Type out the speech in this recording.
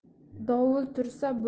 dovul tursa bulut quvar